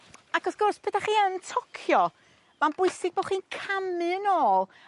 >twtian> Ac wrth gwrs pryd 'dach chi yn tocio ma'n bwysig bo' chi'n camu yn ôl